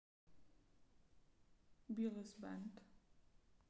billys band